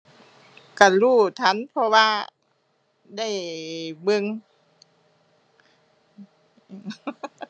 ก็รู้ทัน เพราะว่าได้เบิ่ง